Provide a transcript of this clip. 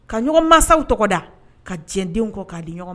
Ka ɲɔgɔn mansaw tɔgɔ da ka diɲɛdenw kɔ k'a di ɲɔgɔn